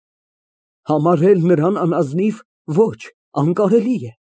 Համարել նրան անազնիվ, ոչ, անկարելի է։